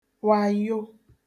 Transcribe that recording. wàyo